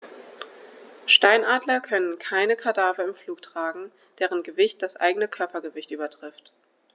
Steinadler können keine Kadaver im Flug tragen, deren Gewicht das eigene Körpergewicht übertrifft.